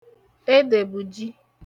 edèbụ̀ji